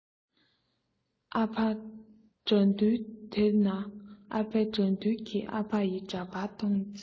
ཨ ཕ དགྲ འདུལ དེ ན ཨ ཕ དགྲ འདུལ གྱི ཨ ཕ ཡི འདྲ པར སྟེང ཚེ